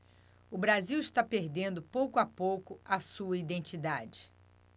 o brasil está perdendo pouco a pouco a sua identidade